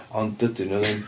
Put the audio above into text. Ond dydyn nhw ddim.